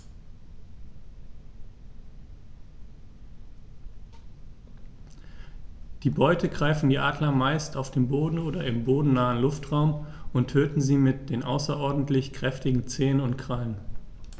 Die Beute greifen die Adler meist auf dem Boden oder im bodennahen Luftraum und töten sie mit den außerordentlich kräftigen Zehen und Krallen.